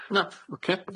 Na. Oce.